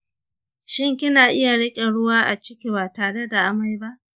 shin kina iya riƙe ruwa a ciki ba tare da amai ba